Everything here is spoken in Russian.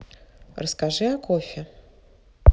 расскажи о кофе